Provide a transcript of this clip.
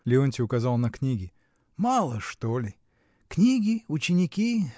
— Леонтий указал на книги, — мало, что ли? Книги, ученики.